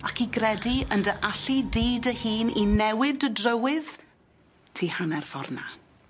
ac i gredu yn dy allu di dy hun i newid dy drywydd ti hanner ffor 'na.